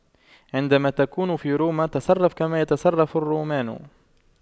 عندما تكون في روما تصرف كما يتصرف الرومان